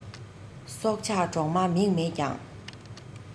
སྲོག ཆགས གྲོག མ མིག མེད ཀྱང